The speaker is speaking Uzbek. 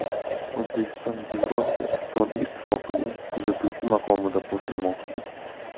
o'zbekiston yevrosiyo iqtisodiy ittifoqiga kuzatuvchi maqomida qo'shilmoqchi